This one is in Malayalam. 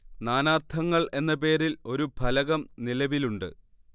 നാനാർത്ഥങ്ങൾ എന്ന പേരിൽ ഒരു ഫലകം നിലവിലുണ്ട്